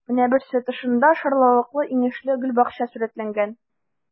Менә берсе: тышында шарлавыклы-инешле гөлбакча сурәтләнгән.